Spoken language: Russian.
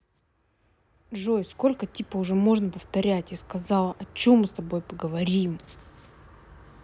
джой сколько типа уже можно повторять я сказала о чем мы с тобой поговорим